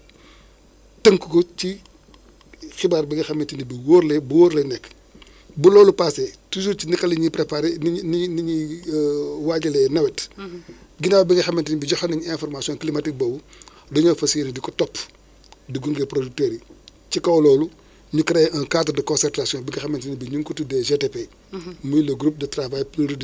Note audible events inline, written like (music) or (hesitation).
dañuy fexe ba parce que xam nañ que ni béykat bi dina am jafe-jafe béykat bi peut être mun na ji gerte beeg dugub bi ak yooyu (noise) ah muy cycle yu nga xam ne cycle yu gudd la ñu (hesitation) xam ne que loolu mun na am ay jafe-jafe pour (hesitation) lu tubaab di wax boucler le cycle maanaam fexe kii bi egg à maturité maanaam mu ñor day am jafe-jafe